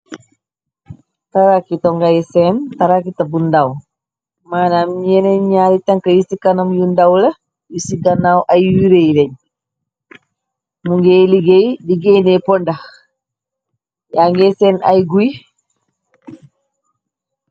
tarakito ngay seen tarakita bu ndàw maanam yeneen ñaari tankra yiti kanam yu ndawla yu ci ganaaw ay yuréy leeñ mu ngéy liggéey liggéey ne pondax yaa ngae seen ay guy